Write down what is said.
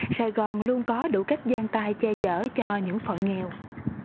sài gòn luôn có đủ cách dang tay che chở cho những phận nghèo